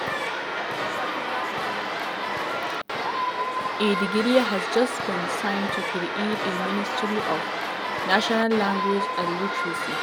“A decree has just been signed to create a Ministry of National Languages and Literacy.”